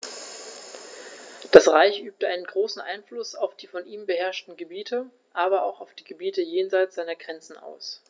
Das Reich übte einen großen Einfluss auf die von ihm beherrschten Gebiete, aber auch auf die Gebiete jenseits seiner Grenzen aus.